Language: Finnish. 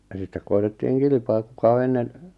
ja sitten koetettiin kilpaa kuka on ennen